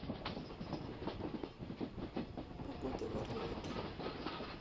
погода в орловке